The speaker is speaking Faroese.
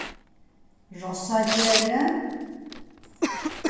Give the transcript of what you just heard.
rossagerði